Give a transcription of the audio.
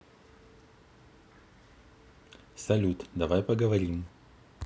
салют давай поговорим